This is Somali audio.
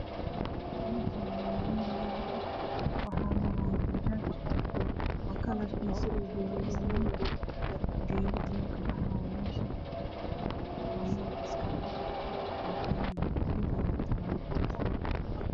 Meeshaan waa meel laami ah waxaa maraayo bajaaj gaduudan geedo ayaa kabaxaayo meesha. Waa meel askar oo ciidan bir ayaana taala.